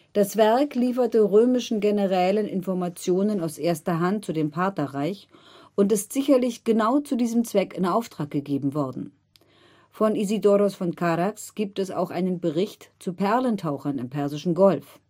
Das Werk lieferte römischen Generälen Informationen aus erster Hand zu dem Partherreich und ist sicherlich genau zu diesem Zweck in Auftrag gegeben worden. Von Isidoros von Charax gibt es auch einen Bericht zu Perlentauchern im Persischen Golf